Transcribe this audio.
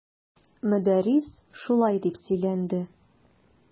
Мөдәррис шулай дип сөйләнде.